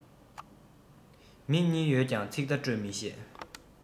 མིག གཉིས ཡོད ཀྱང ཚིག བརྡ སྤྲོད མི ཤེས